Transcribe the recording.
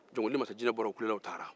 jɔnkolonin mansajinɛw bɔra u kulela u taara